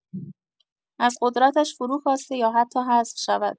از قدرتش فرو کاسته یا حتی حذف شود